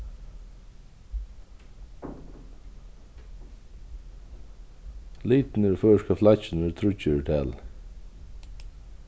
litirnir í føroyska flagginum eru tríggir í tali